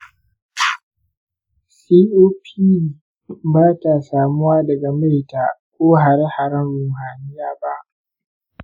copd ba ta samuwa daga maita ko hare-haren ruhaniya ba.